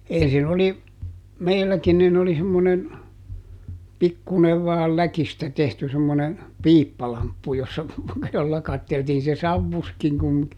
ensin oli meilläkin niin oli semmoinen pikkuinen vain läkistä tehty semmoinen piippalamppu jossa jolla katseltiin se savusikin kuin mikä